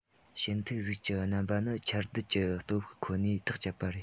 ཞུན ཐིགས གཟུགས ཀྱི རྣམ པ ནི ཆ རྡུལ གྱི སྟོབས ཤུགས ཁོ ནས ཐག བཅད པ རེད